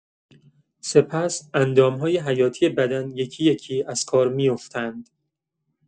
سپس اندام‌های حیاتی بدن یکی‌یکی از کار می‌افتند.